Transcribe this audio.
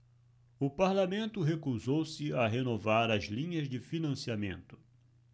o parlamento recusou-se a renovar as linhas de financiamento